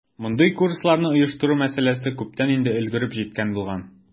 Мондый курсларны оештыру мәсьәләсе күптән инде өлгереп җиткән булган.